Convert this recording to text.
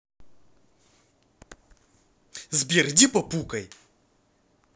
сбер иди попукай